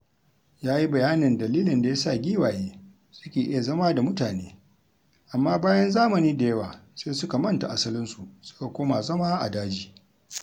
Ya yi bayanin dalilin da ya sa giwaye suke iya zama da mutane amma, bayan zamani da yawa, sai suka manta asalinsu suka koma zama a daji.